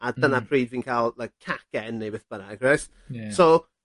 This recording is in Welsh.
Hmm. A dyna pryd fi'n ca'l like cacen neu beth bynnag reit? Ie. So